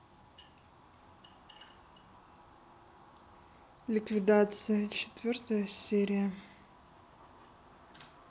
ликвидация четвертая серия